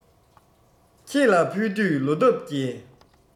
ཁྱེད ལ ཕུལ དུས ལོ འདབ རྒྱས